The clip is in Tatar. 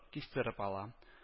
Кистереп ала